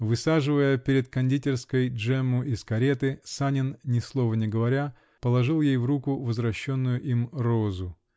Высаживая перед кондитерской Джемму из кареты, Санин, ни слова не говоря, положил ей в руку возвращенную им розу.